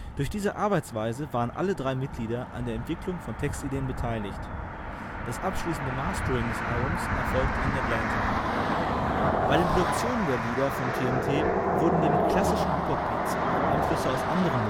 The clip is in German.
Durch diese Arbeitsweise, waren alle drei Mitglieder an der Entwicklung von Textideen beteiligt. Das abschließende Mastering des Albums erfolgte in Atlanta. Bei den Produktionen der Lieder von TNT wurden neben klassischen Hip-Hop-Beats auch Einflüsse aus anderen